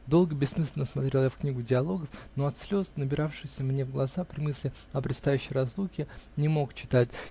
Долго бессмысленно смотрел я в книгу диалогов, но от слез, набиравшихся мне в глаза при мысли о предстоящей разлуке, не мог читать